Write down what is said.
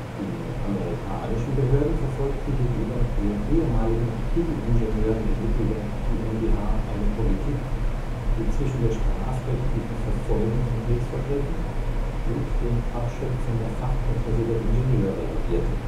Die amerikanischen Behörden verfolgten gegenüber den ehemaligen Raketeningenieuren der Mittelwerk GmbH eine Politik, die zwischen der strafrechtlichen Verfolgung von Kriegsverbrechen und dem Abschöpfen der Fachkenntnisse der Ingenieure lavierte